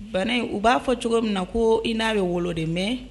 Bani u b'a fɔ cogomin na koo i n'a bɛ wolo de mais